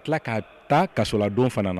A tila k ka ta kasoladon fana na